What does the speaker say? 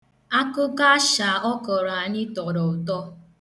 Akụkọ asha ọ kọrọ anyị tọrọ ụtọ.